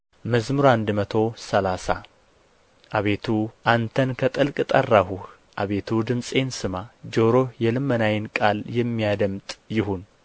መዝሙር መቶ ሰላሳ አቤቱ አንተን ከጥልቅ ጠራሁህ አቤቱ ድምፄን ስማ ጆሮህ የልመናዬን ቃል የሚያደምጥ ይሁን